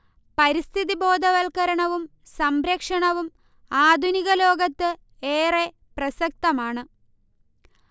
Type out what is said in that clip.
പരിസ്ഥി ബോധവൽക്കരണവും സംരക്ഷണവും ആധുനിക ലോകത്ത് ഏറെ പ്രസക്തമാണ്